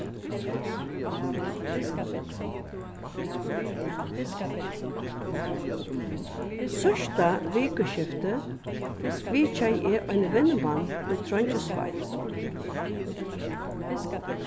síðsta vikuskifti vitjaði eg ein vinmann í trongisvági